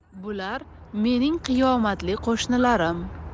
bular mening qiyomatli qo'shnilarim